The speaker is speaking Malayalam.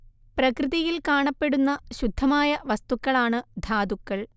പ്രകൃതിയിൽ കാണപ്പെടുന്ന ശുദ്ധമായ വസ്തുക്കളാണ് ധാതുക്കൾ